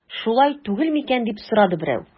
Шулай түгел микән дип сорады берәү.